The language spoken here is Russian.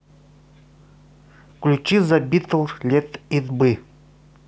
включи зе битлз лет ит би